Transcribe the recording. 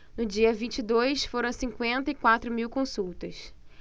no dia vinte e dois foram cinquenta e quatro mil consultas